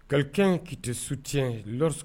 Kalikɛ ki tɛ su tiɲɛ